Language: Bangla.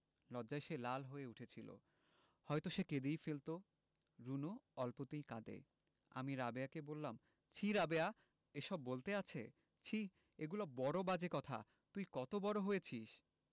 লজ্জায় সে লাল হয়ে উঠেছিলো হয়তো সে কেঁদেই ফেলতো রুনু অল্পতেই কাঁদে আমি রাবেয়াকে বললাম ছিঃ রাবেয়া এসব বলতে আছে ছিঃ এগুলি বড় বাজে কথা তুই কত বড় হয়েছিস